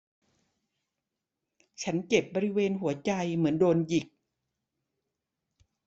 ฉันเจ็บบริเวณหัวใจเหมือนโดนหยิก